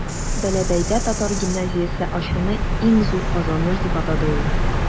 Бәләбәйдә татар гимназиясе ачуны иң зур казаныш дип атады ул.